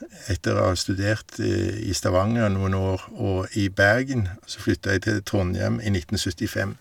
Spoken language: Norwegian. Etter å ha studert i Stavanger noen år og i Bergen, så flytta jeg til Trondhjem i nitten syttifem.